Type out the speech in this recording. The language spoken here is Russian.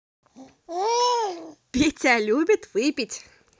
петя любит выпить